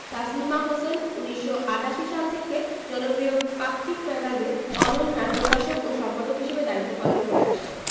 তাসমিমা হোসেন ১৯৮৮ সাল থেকে জনপ্রিয় পাক্ষিক ম্যাগাজিন অনন্যার প্রকাশক ও সম্পাদক হিসেবে দায়িত্ব পালন করে আসছেন